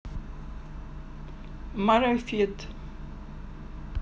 марафет